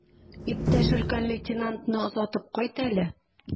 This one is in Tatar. Иптәш өлкән лейтенантны озатып кайт әле.